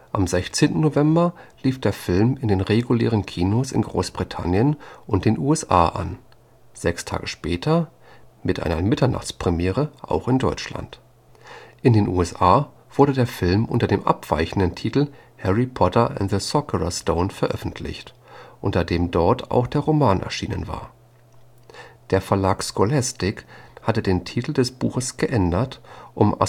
Am 16. November lief der Film in den regulären Kinos in Großbritannien und den USA an, sechs Tage später – mit einer Mitternachtspremiere – auch in Deutschland. In den USA wurde der Film unter dem abweichenden Titel Harry Potter and the Sorcerer’ s Stone veröffentlicht, unter dem dort auch der Roman erschienen war. Der Verlag Scholastic hatte den Titel des Buches geändert, um